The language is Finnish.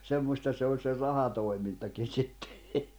semmoista se oli se rahatoimintakin sitten